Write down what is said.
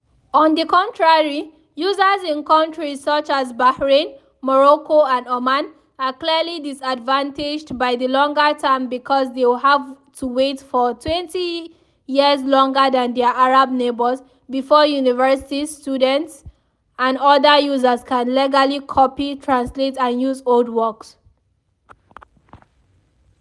On the contrary, users in countries such as Bahrain, Morocco, and Oman are clearly disadvantaged by the longer term because they have to wait for 20 years longer than their Arab neighbours before universities, students, and other users can legally copy, translate, and use old works.